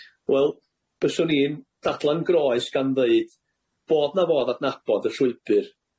Wel byswn i'n dadlau'n groes gan ddeud bod 'na fodd adnabod y llwybyr.